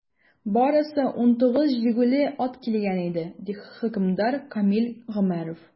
Барысы 19 җигүле ат килгән иде, - ди хөкемдар Камил Гомәров.